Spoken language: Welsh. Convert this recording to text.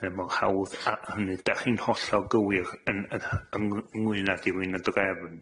Mae o mor hawdd â hynny. Dach chi'n hollol gywir yn y hy- ynglŷn â dilyn y drefn.